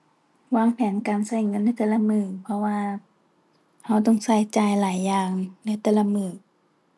วางแผนการใช้เงินในแต่ละมื้อ เพราะว่าใช้ต้องใช้จ่ายหลายอย่างในแต่ละมื้อ